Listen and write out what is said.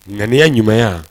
Naya ɲuman